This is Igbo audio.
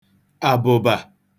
àbụ̀bà